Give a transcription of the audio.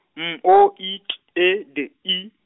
M O I T E D I.